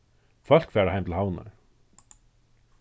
fólk fara heim til havnar